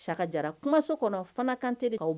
Saka jara kumaso kɔnɔ Fana kante de k'aw